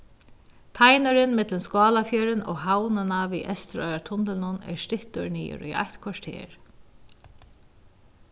teinurin millum skálafjørðin og havnina við eysturoyartunlinum er styttur niður í eitt korter